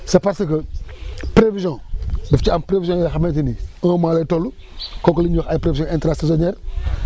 c' est parce que prévision daf ci am prévision yoo xamante ni un mois lay toll kooku la ñuy wax ay prévisions intra saisonnières